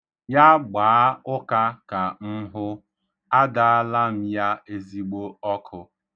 Ya gbaa ụka ka m hụ. Adaala m ya ezigbo ọkụ.